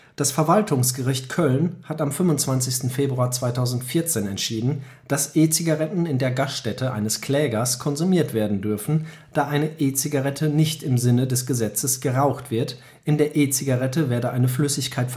Das Verwaltungsgericht Köln hat am 25. Februar 2014 entschieden, dass E-Zigaretten in der Gaststätte eines Klägers konsumiert werden dürfen, da eine E-Zigarette nicht im Sinne des Gesetzes „ geraucht “wird, in der E-Zigarette werde eine Flüssigkeit